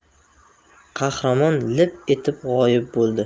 qahramon lip etib g'oyib bo'ldi